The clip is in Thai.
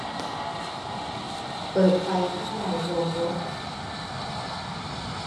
เปิดไฟข้างในโรงรถ